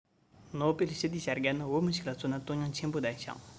ནོ པེལ ཞི བདེའི བྱ དགའ ནི བོད མི ཞིག ལ མཚོན ན དོན སྙིང ཆེན པོ ལྡན ཞིང